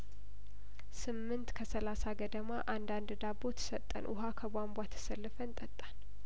ስምንት ከሰላሳ ገደማ አንዳንድ ዳቦ ተሰጠን ውሀ ከቧንቧ ተሰልፈን ጠጣን